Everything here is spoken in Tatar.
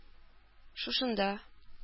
Шушында